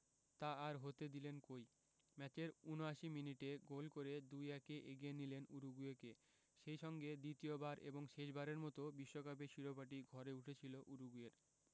তা আর হতে দিলেন কই ম্যাচের ৭৯ মিনিটে গোল করে ২ ১ এ এগিয়ে নিলেন উরুগুয়েকে সেই সঙ্গে দ্বিতীয়বার এবং শেষবারের মতো বিশ্বকাপের শিরোপাটি ঘরে উঠেছিল উরুগুয়ের